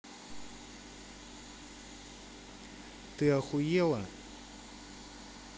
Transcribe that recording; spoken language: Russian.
ты охуела